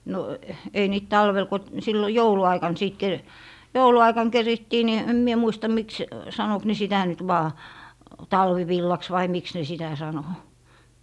no ei niitä talvella kun silloin jouluaikana sitten - jouluaikana kerittiin niin en minä muista miksi sanoiko ne sitä nyt vain talvivillaksi vai miksi ne sitä sanoi